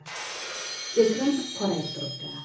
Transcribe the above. ekran qorayib turibdi